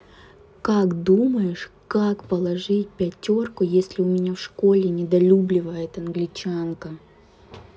как думаешь как положить пятерку если у меня в школе недолюбливает англичанка